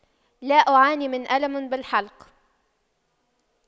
لا أعاني من ألم بالحلق